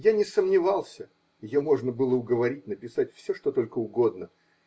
Я не сомневался: ее можно было уговорить написать все, что только угодно.